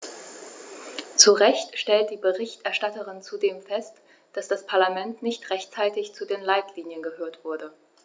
Zu Recht stellt die Berichterstatterin zudem fest, dass das Parlament nicht rechtzeitig zu den Leitlinien gehört wurde.